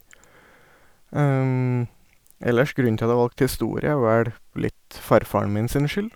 Ellers, grunnen til at jeg valgte historie, er vel litt farfaren min sin skyld.